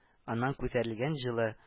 Аннан күтәрелгән җылы